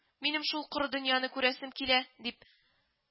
Минем шул коры дөньяны күрәсем килә! - дип